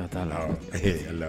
N' taa la